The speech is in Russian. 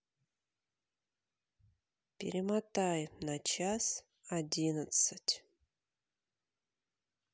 перемотай на час одиннадцать